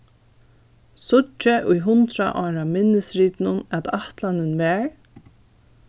síggi í hundrað ára minnisritinum at ætlanin var